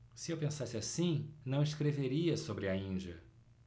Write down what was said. se eu pensasse assim não escreveria sobre a índia